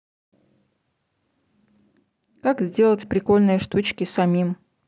как сделать прикольные штучки самим